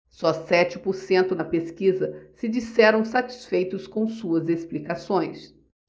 só sete por cento na pesquisa se disseram satisfeitos com suas explicações